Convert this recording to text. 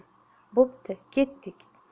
bo'pti ketdik